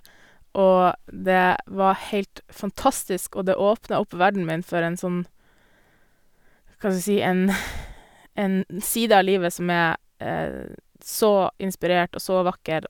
Og det var heilt fantastisk, og det åpna opp verdenen min for en sånn, hva skal jeg si, en en side av livet som er så inspirert og så vakker.